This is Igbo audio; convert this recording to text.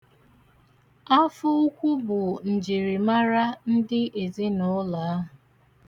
Afọ ukwu bụ njirimara ndị ezinụlọ ahụ.